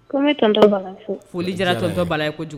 Ko n bɛ tonton Bala fo. Foli diyara tonton Bala ye kojugu . A diyara n ye.